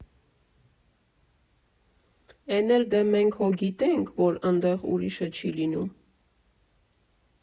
Էն էլ դե մենք հո գիտե՞նք, որ ընդեղ ուրիշը չի լինում…